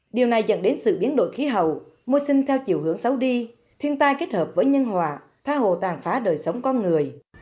điều này dẫn đến sự biến đổi khí hậu mưu sinh theo chiều hướng xấu đi thiên tai kết hợp với nhân hòa tha hồ tàn phá đời sống con người